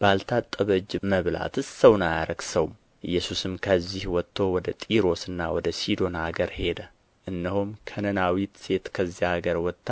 ባልታጠበ እጅ መብላትስ ሰውን አያረክሰውም ኢየሱስም ከዚያ ወጥቶ ወደ ጢሮስና ወደ ሲዶና አገር ሄደ እነሆም ከነናዊት ሴት ከዚያ አገር ወጥታ